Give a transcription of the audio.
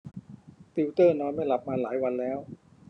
ติวเตอร์นอนไม่หลับมาหลายวันแล้ว